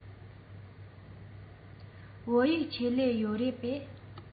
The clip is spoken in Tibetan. བོད ཡིག ཆེད ལས ཡོད རེད པས